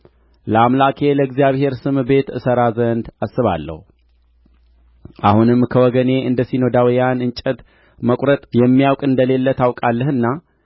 ለአምላኬ ለእግዚአብሔር ስም ቤት እሠራ ዘንድ አስባለሁ አሁንም ከወገኔ እንደ ሲዶናውያን እንጨት መቈረጥ የሚያውቅ እንደሌለ ታውቃለህና